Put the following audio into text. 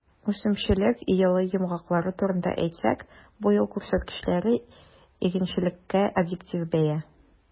Үсемлекчелек елы йомгаклары турында әйтсәк, бу ел күрсәткечләре - игенчелеккә объектив бәя.